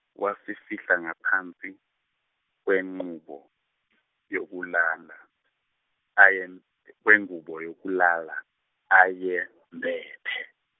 wasifihla ngaphansi, kwenqubo, yokulala aye- kwengubo yokulala ayembhethe.